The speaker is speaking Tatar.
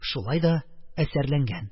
Шулай да әсәрләнгән.